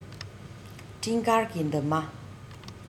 སྤྲིན དཀར གྱི འདབ མ